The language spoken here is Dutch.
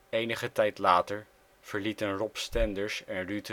Enige tijd later verlieten Rob Stenders en Ruud